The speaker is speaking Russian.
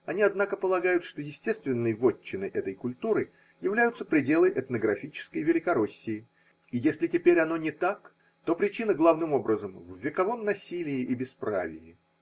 они, однако, полагают, что естественной вотчиной этой культуры являются пределы этнографической Великороссии, и если теперь оно не так, то причина, главным образом, в вековом насилии и бесправии.